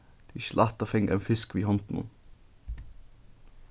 tað er ikki lætt at fanga ein fisk við hondunum